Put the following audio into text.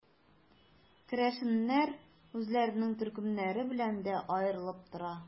Керәшеннәр үзләренең төркемнәре белән дә аерылып тора.